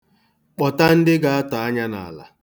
Kpọta ndị ga-atọ anya n'ala.